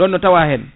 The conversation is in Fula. ɗon no tawa en